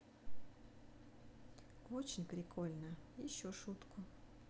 очень прикольно еще шутку